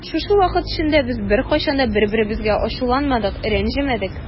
Шушы вакыт эчендә без беркайчан да бер-беребезгә ачуланмадык, рәнҗемәдек.